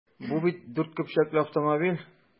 Бу бит дүрт көпчәкле автомобиль!